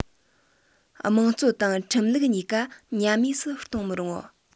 ༄༅ དམངས གཙོ དང ཁྲིམས ལུགས གཉིས ཀ ཉམས དམས སུ གཏོང མི རུང